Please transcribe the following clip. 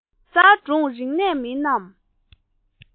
གེ སར སྒྲུང རིག གནས མིན ནམ